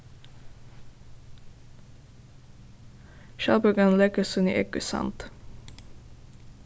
skjaldbøkan leggur síni egg í sand